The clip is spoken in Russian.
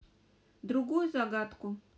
другую загадку